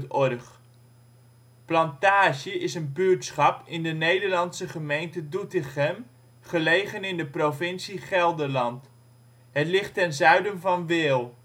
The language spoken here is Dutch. OL Plantage Plaats in Nederland Situering Provincie Gelderland Gemeente Doetinchem Coördinaten 51° 57′ NB, 6° 13′ OL Portaal Nederland Plantage is een buurtschap in de Nederlandse gemeente Doetinchem, gelegen in de provincie Gelderland. Het ligt ten zuiden van Wehl